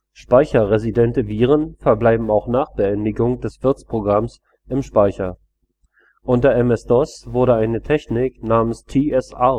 Speicherresidente Viren verbleiben auch nach Beendigung des Wirtprogramms im Speicher. Unter MS-DOS wurde eine Technik namens TSR